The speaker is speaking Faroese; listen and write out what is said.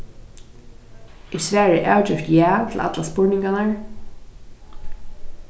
er svarið avgjørt ja til allar spurningarnar